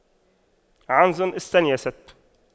عنز استتيست